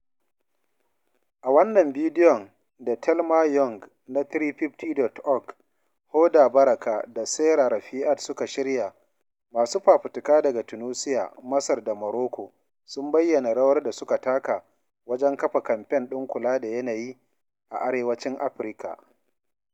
A wannan bidiyon da Thelma Young na 350.org, Hoda Baraka da Sarah Rifaat suka shirya, masu fafutuka daga Tunisia, Masar da Morocco sun bayyana rawar da suka taka wajen kafa Kamfen ɗin kula da yanayi a Arewacin Afirka.